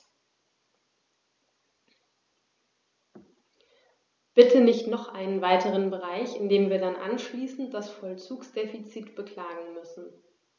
Bitte nicht noch einen weiteren Bereich, in dem wir dann anschließend das Vollzugsdefizit beklagen müssen.